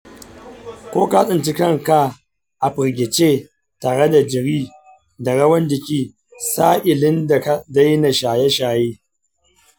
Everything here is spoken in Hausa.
ko ka tsinci kanka a firgice tare da jiri da rawan jiki sa'ilin da ka daina shaye-shaye?